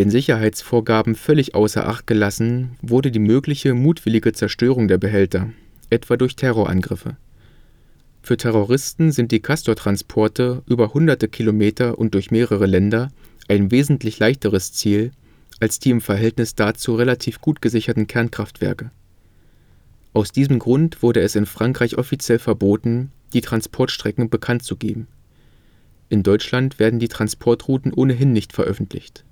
Sicherheitsvorgaben völlig außer Acht gelassen wurde die mögliche mutwillige Zerstörung der Behälter, etwa durch Terrorangriffe. Für Terroristen sind die Castortransporte über hunderte Kilometer und durch mehrere Länder ein wesentlich leichteres Ziel als die im Verhältnis dazu relativ gut gesicherten Kernkraftwerke. Aus diesem Grund wurde es in Frankreich offiziell verboten, die Transportstrecken bekannt zu geben. In Deutschland werden die Transportrouten ohnehin nicht veröffentlicht